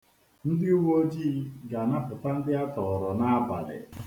Ndị uweojii ga-anapụta ndị a tọọrọ n'abalị.